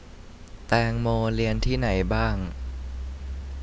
แตงโมเรียนที่ไหนบ้าง